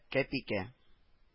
Кәпикә